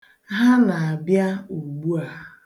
Ha na-abịa ugbua.